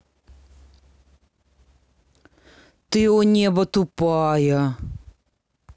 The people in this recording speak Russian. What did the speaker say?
ты о неба тупая